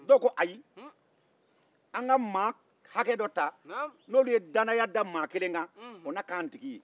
dɔw ko ayi an ka maa hakɛ dɔ ta n'olu dannaya da maa kelen kan o na k'a tigi ye